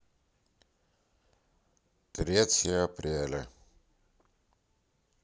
третье апреля